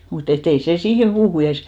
mutta että ei se siihen puuhun edes